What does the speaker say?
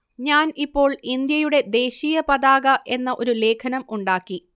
ഞാൻ ഇപ്പോൾ ഇന്ത്യയുടെ ദേശീയ പതാക എന്ന ഒരു ലേഖനം ഉണ്ടാക്കി